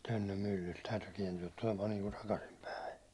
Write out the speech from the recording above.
Tönnön myllyltä täytyy kääntyä tulemaan niin kuin takaisinpäin